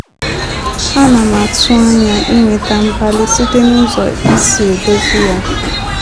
Ana m atụ anya inweta mkpali site n'ụzọ i si edozi ya.